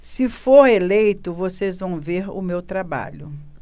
se for eleito vocês vão ver o meu trabalho